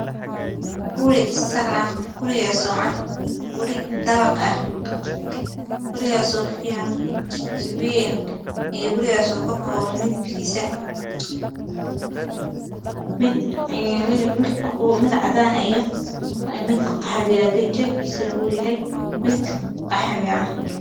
Waa guri sar ah waana guri dabaq ah kalarkiisu waa cadaan iyo qaxwi, ganjeelkiisuna waa qaxwi.